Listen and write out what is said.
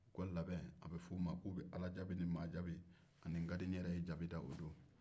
u ka labɛn a f'o ma k'u bɛ ala jabi ni maa jabi ani n ka di n yɛrɛ ye jabi da o don